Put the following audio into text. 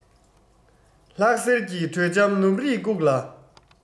ལྷག ཟེར གྱི དྲོད འཇམ ནུབ རིས བཀུག ལ